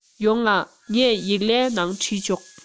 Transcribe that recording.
ཡོང ང ངས ཡིག ལན ནང བྲིས ཆོག